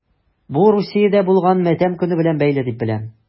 Бу Русиядә булган матәм көне белән бәйле дип беләм...